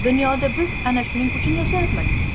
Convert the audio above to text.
dunyoda biz ana shuning uchun yashaymiz